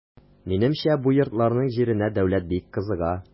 Минемчә бу йортларның җиренә дәүләт бик кызыга.